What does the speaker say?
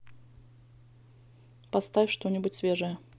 поставь что нибудь свежее